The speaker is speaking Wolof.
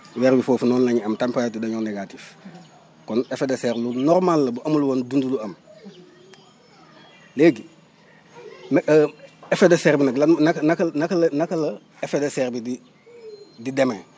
weer wi foofu noonu la ñu am température dañoo négatif kon effezt de serre lu normal la bu amul woon dund du am léegi mais effet de serre bi nag lan naka naka naka la effet de serre bi di di demee